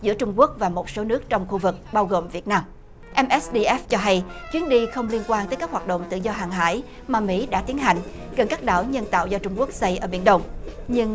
giữa trung quốc và một số nước trong khu vực bao gồm việt nam em ét đi ét cho hay chuyến đi không liên quan tới các hoạt động tự do hàng hải mà mỹ đã tiến hành gần các đảo nhân tạo do trung quốc xây ở biển đông nhưng